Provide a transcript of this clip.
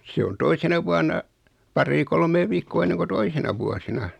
se on toisena vuonna paria kolmea viikkoa ennen kuin toisina vuosina